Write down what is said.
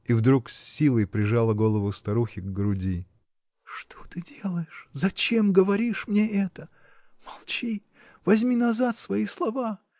И вдруг с силой прижала голову старухи к груди. — Что ты делаешь? зачем говоришь мне это?. Молчи! Возьми назад свои слова!